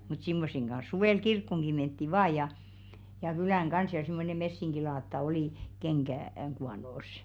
mutta semmoisen kanssa suvella kirkkoonkin mentiin vain ja ja kylään kanssa ja semmoinen messinkilaatta oli - kengän kuonossa